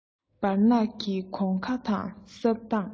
སྦིར ནག གི གོང ཁ དང སྲབ གདང